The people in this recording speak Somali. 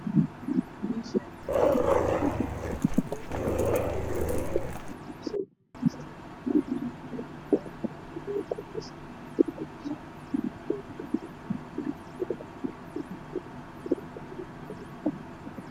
Meeshaan waa hool waxaa joogo wiilal oo koob ay kuguuleysteen gacanta ku haayo. Geed cagaaran ayaa halkaaas kabaxaayo.